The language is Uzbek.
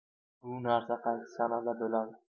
bu narsa qaysi sanada bo'ladi